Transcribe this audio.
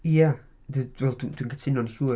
Ia, dw- wel dwi'n cytuno'n llwyr.